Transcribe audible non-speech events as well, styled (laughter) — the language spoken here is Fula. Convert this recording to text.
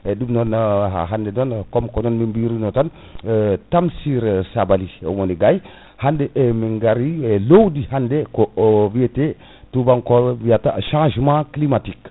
eyyi ɗum (hesitation) non ha hande tan comme ko non min biruno tan (hesitation) Tamsir Sabaly woni gay hande (hesitation) min gari lowdi hande ko o wiyate tubankoɓe biyata changement climatique